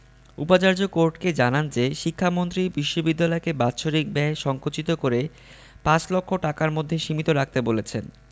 উপাচার্য কোর্টকে জানান যে শিক্ষামন্ত্রী বিশ্ববিদ্যালয়কে বাৎসরিক ব্যয় সংকুচিত করে পাঁচ লক্ষ টাকার মধ্যে সীমিত রাখতে বলেছেন